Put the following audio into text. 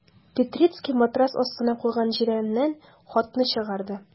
Петрицкий матрац астына куйган җирәннән хатны чыгарды.